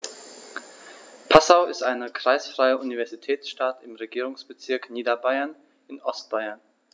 Passau ist eine kreisfreie Universitätsstadt im Regierungsbezirk Niederbayern in Ostbayern.